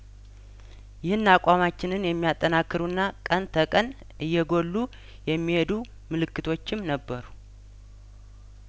ይህን አቋማችንን የሚያጠናክሩና ቀን ተቀን እየጐሉ የሚሄዱ ምልክቶችም ነበሩ